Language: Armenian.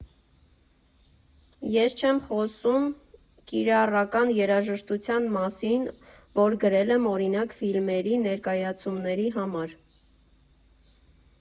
Ես չեմ խոսում կիրառական երաժշտության մասին, որ գրել եմ օրինակ՝ ֆիլմերի, ներկայացումների համար։